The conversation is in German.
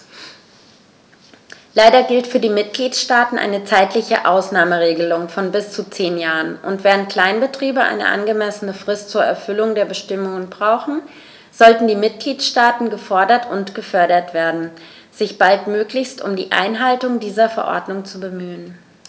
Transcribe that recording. Leider gilt für die Mitgliedstaaten eine zeitliche Ausnahmeregelung von bis zu zehn Jahren, und, während Kleinbetriebe eine angemessene Frist zur Erfüllung der Bestimmungen brauchen, sollten die Mitgliedstaaten gefordert und gefördert werden, sich baldmöglichst um die Einhaltung dieser Verordnung zu bemühen.